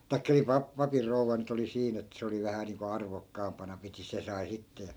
tai niin - papin rouva nyt oli siinä että se oli vähän niin kuin arvokkaampana piti se sai sitten ja